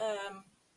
Yym.